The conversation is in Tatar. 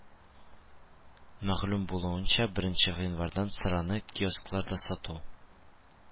Мәгълүм булуынча, беренче гыйнвардан сыраны киоскларда сату